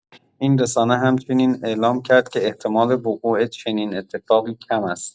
این رسانه همچین اعلام کرد که احتمال وقوع چنین اتفاقی کم است.